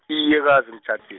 iye kazi ngitjhadi-.